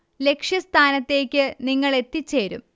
ലക്ഷ്യസ്ഥാനത്തേക്ക് നിങ്ങൾ എത്തിച്ചേരും